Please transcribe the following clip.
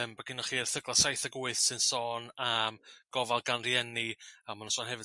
yym ma' gyno chi erthygla' saith ag wyth sy'n sôn am gofal gan rieni a mo'n sôn hefyd